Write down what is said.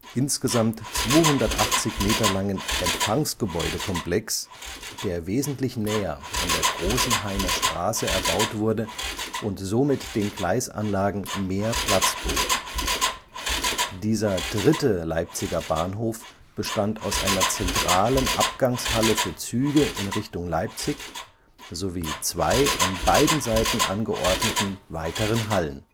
insgesamt 280 Meter langen Empfangsgebäudekomplex, der wesentlich näher an der Großenhainer Straße erbaut wurde und somit den Gleisanlagen mehr Platz bot. Dieser dritte Leipziger Bahnhof bestand aus einer zentralen Abgangshalle für Züge in Richtung Leipzig sowie zwei an beiden Seiten angeordneten weiteren Hallen